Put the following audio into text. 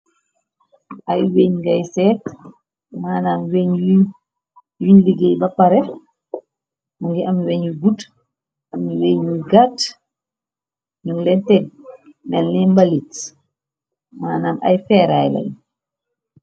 ay weñ ngay seet manam weñyuñ liggéey ba pare mu ngi am weñu gudu ami wen ñu gaat ñun leenteg melney mbalits maanam ay feeraay la nu.